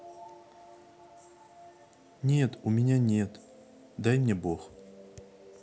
нет у меня нет дай мне бог